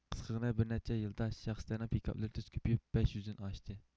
قىسقىغىنا بىر نەچچە يىلدا شەخسلەرنىڭ پىكاپلىرى تېز كۆپىيىپ بەش يۈزدىن ئاشتى